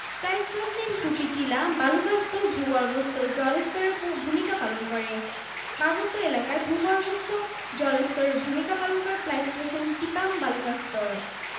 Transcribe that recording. Pleistocene Dupi Tila বালুকাস্তর ভূগর্ভস্থ জলস্তরের ভূমিকা পালন করে পার্বত্য এলাকায় ভূগর্ভস্থ জলস্তরের ভূমিকা পালন করে প্লাইসটোসিন টিপাম বালুকাস্তর